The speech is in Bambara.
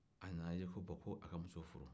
a nana ye bon ko a ka muso furu